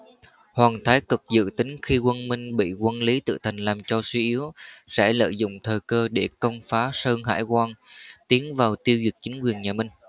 hoàng thái cực dự tính khi quân minh bị quân lý tự thành làm cho suy yếu sẽ lợi dụng thời cơ để công phá sơn hải quan tiến vào tiêu diệt chính quyền nhà minh